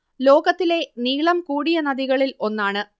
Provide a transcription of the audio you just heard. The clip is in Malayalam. ലോകത്തിലെ നീളം കൂടിയ നദികളിൽ ഒന്നാണ്